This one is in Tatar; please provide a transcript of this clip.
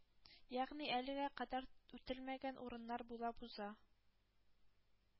Ягъни әлегә кадәр үтелмәгән урыннар буйлап уза.